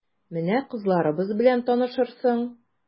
Менә кызларыбыз белән танышырсың...